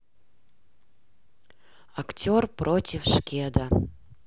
актер против шкеда